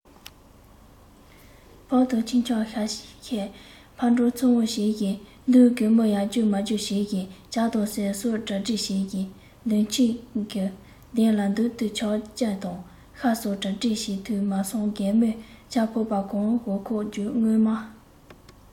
ཕག དང ཁྱི འཁྱམ ཁ ཤས ཕར འགྲོ ཚུར འོང བྱེད བཞིན འདུག རྒད མོ ཡར རྒྱུག མར རྒྱུག བྱེད བཞིན ཇ དང ཟས སོགས གྲ སྒྲིག བྱེད བཞིན འདུག ཁྱིམ ཕུག གི གདན ལ འདུག ཏུ བཅུག ཆང དང ཤ སོགས ཀྱང གྲ སྒྲིག བྱེད ཐུབ མ སོང རྒད མོས ཇ ཕོར པ གང ཞོག ཁོག བརྔོས མ